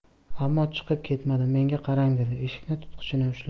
ammo chiqib ketmadi menga qarang dedi eshik tutqichini ushlab